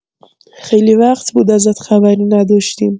خیلی وقت بود ازت خبری نداشتیم!